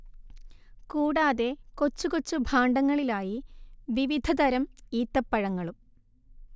കൂടാതെ കൊച്ചു കൊച്ചു ഭാണ്ഡങ്ങളിലായി വിവിധതരം ഈത്തപ്പഴങ്ങളും